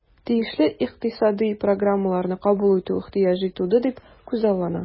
Тиешле икътисадый программаларны кабул итү ихтыяҗы туды дип күзаллана.